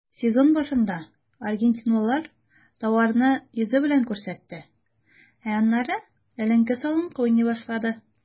Сезон башында аргентинлылар тауарны йөзе белән күрсәтте, ә аннары эленке-салынкы уйный башлады.